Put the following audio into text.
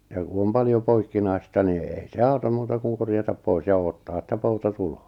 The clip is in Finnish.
ja kun on paljon poikkinaista niin ei se auta muuta kuin korjata pois ja odottaa että pouta tulee